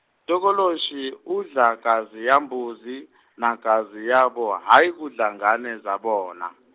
Tokoloshi, udla gazi yambuzi , nagazi yabo hhayi kudla ngane zabona.